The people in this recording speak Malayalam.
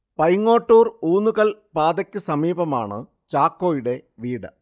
പൈങ്ങോട്ടൂർ - ഊന്നുകൽ പാതയ്ക്ക് സമീപമാണ് ചാക്കോയുടെ വീട്